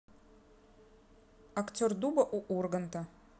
актер дуба у урганта